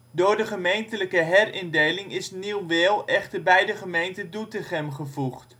Door de gemeentelijke herindelingen is Nieuw-Wehl echter bij de gemeente Doetinchem gevoegd